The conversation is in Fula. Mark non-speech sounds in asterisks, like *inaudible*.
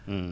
*hesitation* *hesitation*